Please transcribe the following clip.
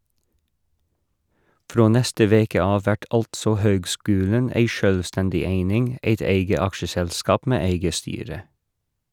Frå neste veke av vert altså høgskulen ei sjølvstendig eining, eit eige aksjeselskap med eige styre.